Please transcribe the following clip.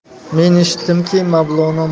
men eshitdimki mavlono